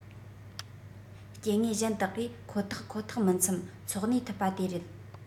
སྐྱེ དངོས གཞན དག གིས ཁོ ཐག ཁོ ཐག མི འཚམ འཚོ གནས ཐུབ པ དེ རེད